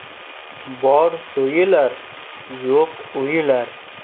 bor so'yilar yo'q o'yilar